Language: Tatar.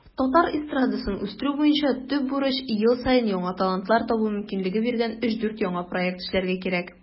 Татар эстрадасын үстерү буенча төп бурыч - ел саен яңа талантлар табу мөмкинлеге биргән 3-4 яңа проект эшләргә кирәк.